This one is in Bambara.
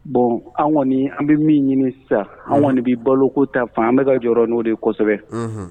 Bon anw kɔni an bɛ min ɲini sisan, an kɔni bɛ baloko ta fan an bɛ ka jɔyɔrɔ n'o de ye kosɛbɛ, unhun